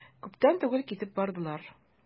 Күптән түгел китеп бардылар.